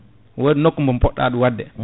waɗi nokku mo poɗɗa ɗum wadde